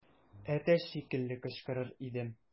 Әтәч шикелле кычкырыр идем.